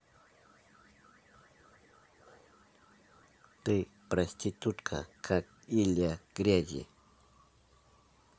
ты проститутка как илья грязи